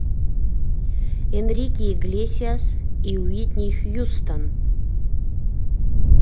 энрике иглесиас и уитни хьюстон